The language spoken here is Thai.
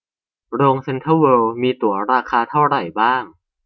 โรงเซ็นทรัลเวิลด์มีตั๋วราคาเท่าไหร่บ้าง